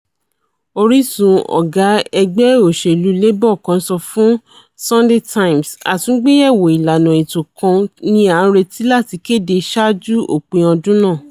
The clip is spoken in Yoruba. Orísun ọ̀gá Ẹgbẹ̵̇́ Òṣèlú Labour kan sọ fún Sunday Times: 'Àtúgbéyẹ̀wò ìlàna ètò kan ni a ńreti láti kéde saájú òpin ọdún náà.